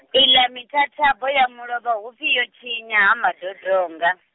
i ḽa mithathabo ya mulovha hupfi yo tshinya Ha Madodonga.